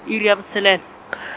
iri ya botshelela .